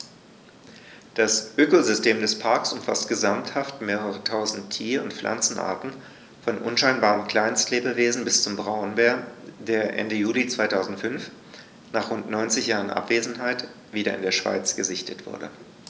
Das Ökosystem des Parks umfasst gesamthaft mehrere tausend Tier- und Pflanzenarten, von unscheinbaren Kleinstlebewesen bis zum Braunbär, der Ende Juli 2005, nach rund 90 Jahren Abwesenheit, wieder in der Schweiz gesichtet wurde.